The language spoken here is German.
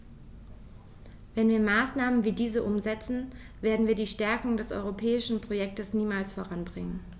Wenn wir Maßnahmen wie diese umsetzen, werden wir die Stärkung des europäischen Projekts niemals voranbringen.